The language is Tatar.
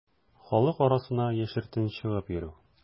Халык арасына яшертен чыгып йөрү.